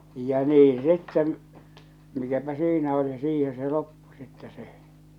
ja niin sitten mikäpä siinä oli siihen se loppui sitten se